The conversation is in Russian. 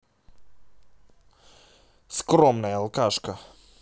скромная алкашка